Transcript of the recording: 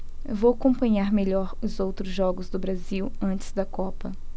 vou acompanhar melhor os outros jogos do brasil antes da copa